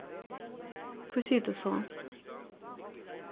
hví sigur tú so